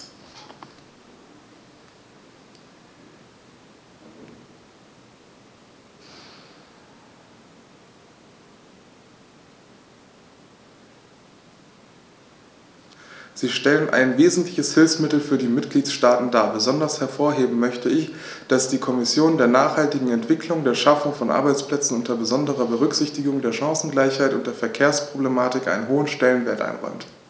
Sie stellen ein wesentliches Hilfsmittel für die Mitgliedstaaten dar. Besonders hervorheben möchte ich, dass die Kommission der nachhaltigen Entwicklung, der Schaffung von Arbeitsplätzen unter besonderer Berücksichtigung der Chancengleichheit und der Verkehrsproblematik einen hohen Stellenwert einräumt.